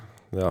Ja.